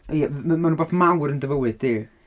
Ie m- m- mae'n rhywbeth mawr yn dy fywyd di.